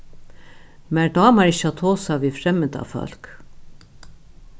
mær dámar ikki at tosa við fremmandafólk